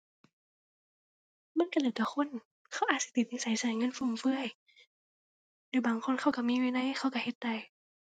มันก็แล้วแต่คน เขาอาจสิติดนิสัยก็เงินฟุ่มเฟือยหรือบางคนเขาก็มีวินัยเขาก็เฮ็ดได้